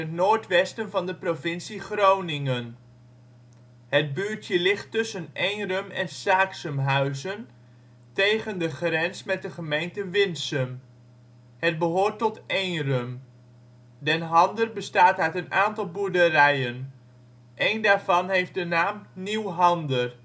noordwesten van de provincie Groningen. Het buurtje ligt tussen Eenrum en Saaxumhuizen tegen de grens met de gemeente Winsum. Het behoort tot Eenrum. Den Hander bestaat uit een aantal boerderijen. Een daarvan heeft de naam Nieuw Hander